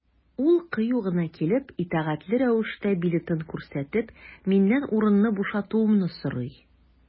Ул кыю гына килеп, итәгатьле рәвештә билетын күрсәтеп, миннән урынны бушатуымны сорый.